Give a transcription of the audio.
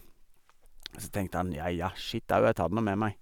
Ja, ja, skitt au, jeg tar det nå med meg.